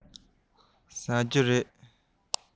མཆོད ཀྱི རེད